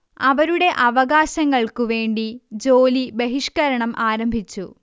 അവരുടെ അവകാശങ്ങൾക്കു വേണ്ടി ജോലി ബഹിഷ്കരണം ആരംഭിച്ചു